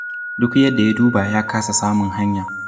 Duk yadda ya duba, ya kasa samun hanya.